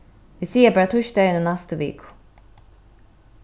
vit siga bara týsdagin í næstu viku